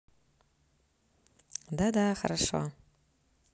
да да хорошо